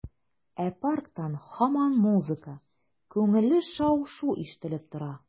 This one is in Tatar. Ә парктан һаман музыка, күңелле шау-шу ишетелеп тора.